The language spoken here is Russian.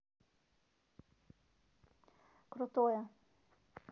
крутое